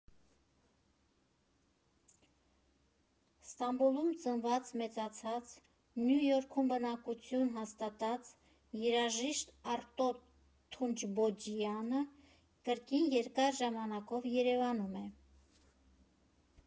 Ստամբուլում ծնված֊մեծացած, Նյու Յորքում բնակություն հաստատած երաժիշտ Արտո Թունջբոյաջյանը կրկին երկար ժամանակով Երևանում է։